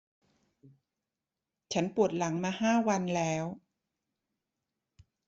ฉันปวดหลังมาห้าวันแล้ว